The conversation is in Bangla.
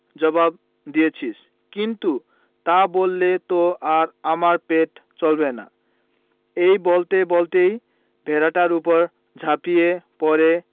জবাব দিয়ে দিয়েছিস কিন্তু তা বললে তো আর আমার পেট চলবে না এই বলতে বলতেই ভেড়াটার উপর ঝাঁপিয়ে পড়ে